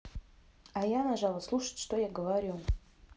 а я нажала слушать что я говорю